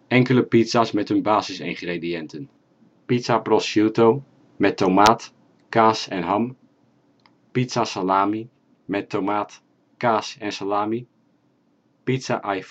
Enkele pizza 's met hun basisingrediënten: Pizza Prosciutto (tomaat, kaas, ham) Pizza Salami (tomaat, kaas, salami) Pizza ai